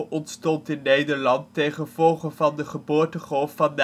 ontstond ten gevolge van de geboortegolf van